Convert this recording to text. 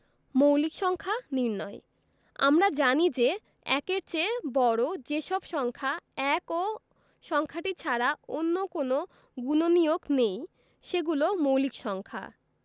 মৌলিক সংখ্যা নির্ণয় আমরা জানি যে ১-এর চেয়ে বড় যে সব সংখ্যা ১ ও সংখ্যাটি ছাড়া অন্য কোনো গুণনীয়ক নেই সেগুলো মৌলিক সংখ্যা